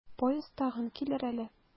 Поезд тагын килер әле.